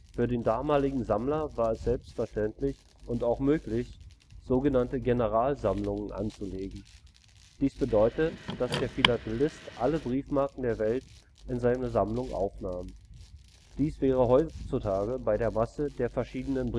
Für den damaligen Sammler war es selbstverständlich und auch möglich, so genannte Generalsammlungen anzulegen. Dies bedeutet, dass der Philatelist alle Briefmarken der Welt in seine Sammlung aufnahm. Dies wäre heutzutage bei der Masse der verschiedenen